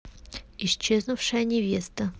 исчезнувшая невеста